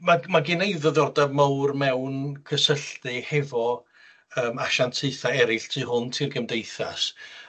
Ma' ma' gena i ddiddordeb mowr mewn cysylltu hefo yym asiantaethau eryll tu hwnt i'r gymdeithas